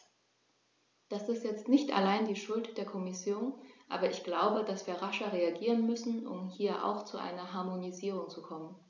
Das ist jetzt nicht allein die Schuld der Kommission, aber ich glaube, dass wir rascher reagieren müssen, um hier auch zu einer Harmonisierung zu kommen.